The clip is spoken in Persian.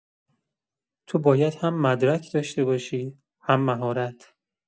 تو باید هم مدرک داشته باشی، هم مهارت.